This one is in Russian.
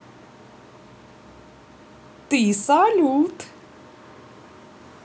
ты салют